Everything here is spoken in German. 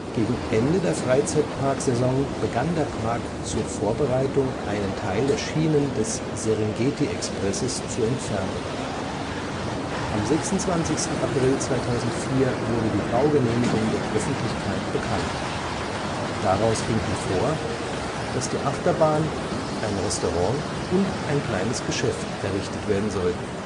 Gegen Ende der Freizeitparksaison begann der Park, zur Vorbereitung einen Teil der Schienen des Serengeti Expresses zu entfernen. Am 26. April 2004 wurde die Baugenehmigung der Öffentlichkeit bekannt. Daraus ging hervor, dass die Achterbahn, ein Restaurant und ein kleines Geschäft errichtet werden sollten